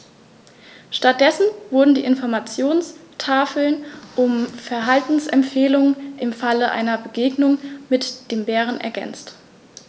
Stattdessen wurden die Informationstafeln um Verhaltensempfehlungen im Falle einer Begegnung mit dem Bären ergänzt.